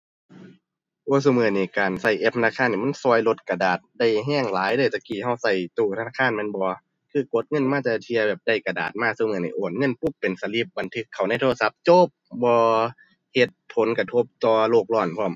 โอ้ย ซุมื้อนี้การใช้แอปธนาคารนี่มันใช้ลดกระดาษได้ใช้หลายเด้อ แต่กี้ใช้ใช้ตู้ธนาคารแม่นบ่ คือกดเงินมาแต่ละเที่ยแบบได้กระดาษมาซุมื้อนี้ โอนเงินปุ๊บ เป็นสลิปบันทึกเข้าในโทรศัพท์จบ บ่เฮ็ดผลกระทบต่อโลกร้อนพร้อม